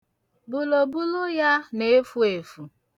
Bùlòbulo ya na-efu efu.